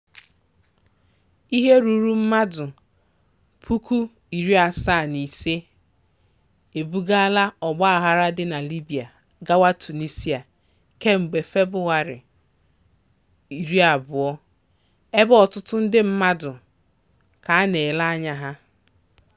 Ihe rụrụ mmadụ 75,000 e bugala ọgbaghara dị na Libya gawa Tunisia kemgbe Febrụwarị 20 ebe ọtụtụ ndị mmadụ ka a ka na-ele anya ha.